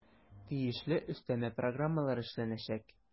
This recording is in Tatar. Тиешле өстәмә программалар эшләнәчәк.